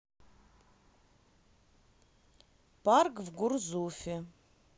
парк в гурзуфе